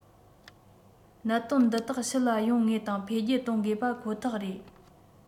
གནད དོན འདི དག ཕྱི ལ ཡོང ངེས དང འཕེལ རྒྱས གཏོང དགོས པ ཁོ ཐག རེད